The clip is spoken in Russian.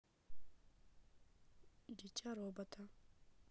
дитя робота